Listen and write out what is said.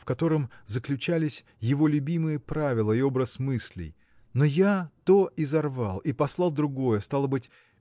в котором заключались его любимые правила и образ мыслей но я то изорвал и послал другое стало быть